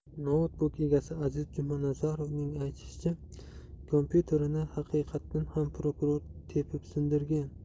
noutbuk egasi aziz jumanazarovning aytishicha kompyuterini haqiqatdan ham prokuror tepib sindirgan